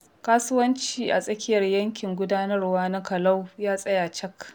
Kasuwanci a tsakiyar yankin gudanarwa na Kalou ya tsaya cak.